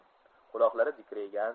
quloqlari dikraygan